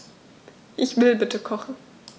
Ich will bitte kochen.